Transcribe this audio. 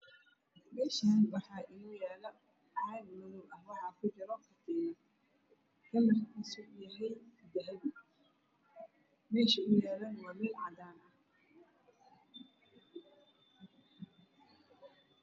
Meeshaan waxaa inoo yaala caag madow ah waxaa kujiro katiin midabkiisu waa dahabi. Meesha uu yaalana waa cadaan.